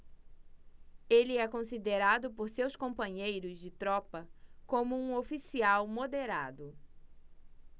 ele é considerado por seus companheiros de tropa como um oficial moderado